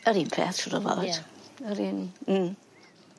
Yr un peth siŵr o fod. Ie yr un hmm.